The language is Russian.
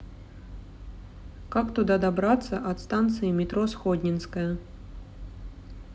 как туда добраться от станции метро сходненская